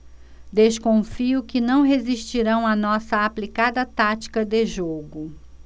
desconfio que não resistirão à nossa aplicada tática de jogo